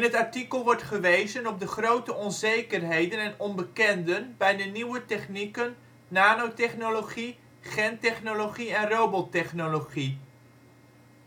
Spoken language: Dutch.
het artikel wordt gewezen op de grote onzekerheden en onbekenden bij de nieuwe technieken nanotechnologie, gentechnologie en robot technologie.